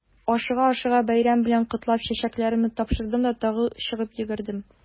Ашыга-ашыга бәйрәм белән котлап, чәчәкләремне тапшырдым да тагы чыгып йөгердем.